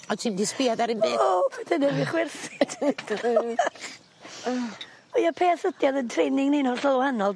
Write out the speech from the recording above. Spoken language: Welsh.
Ond ti'm 'di sbiad ar 'im byd. O paid a neud fi chwerthin. O'i y peth ydi o'dd 'yn trening ni'n hollol wahanol doedd...